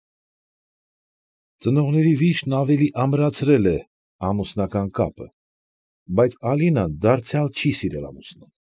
Ծնողների վիշտն ավելի ամրացրել է ամուսնական կապը, բայց Ալինան դարձյալ չի սիրել ամուսնուն։